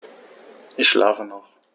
Ich schlafe noch.